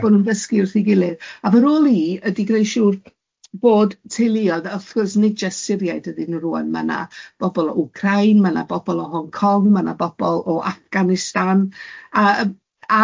...bo' nhw'n dysgu wrth ei gilydd a fy rôl i ydy gwneud siŵr bod teuluoedd wrth gwrs nid jyst Syriaid ydyn nhw rŵan, ma' na bobl o Wcrain, ma' na bobl o Hong Kong, ma' na bobl o Afghanistan a yym